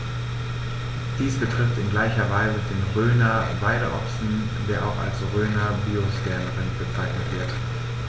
Dies betrifft in gleicher Weise den Rhöner Weideochsen, der auch als Rhöner Biosphärenrind bezeichnet wird.